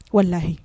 Wala lahi